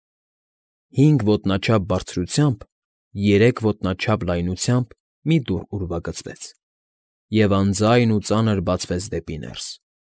Հինգ ոտնաչափ բարձրությամբ, երեք ոտնաչափ լայնությամբ մի դուռ ուրվագծվեց և անձայն ու ծանր բացվեց դեպի ներս։